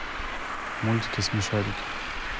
мультики смешарики